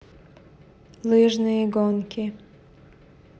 лыжные гонки